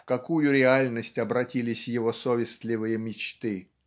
в какую реальность обратились его совестливые мечты.